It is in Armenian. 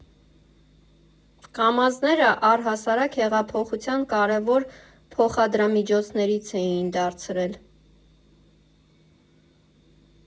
Կամազները առհասարակ հեղափոխության կարևոր փոխադրամիջոցներից էին դարձել.